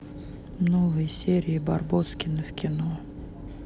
новые серии барбоскины в кино